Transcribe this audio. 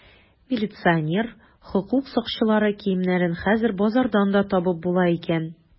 Милиционер, хокук сакчылары киемнәрен хәзер базардан да табып була икән.